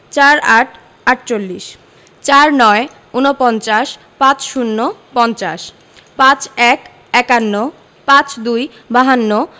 ৪৮ -আটচল্লিশ ৪৯ – উনপঞ্চাশ ৫০ - পঞ্চাশ ৫১ – একান্ন ৫২ - বাহান্ন